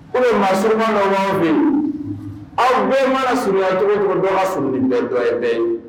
O maa suba na min aw bɛ mara surunya cogocogo dɔs bɛ dɔ bɛɛ